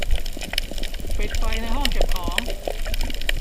ปิดไฟในห้องเก็บของ